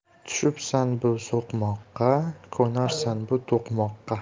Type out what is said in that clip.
tushibsan bu so'qmoqqa ko'narsan bu to'qmoqqa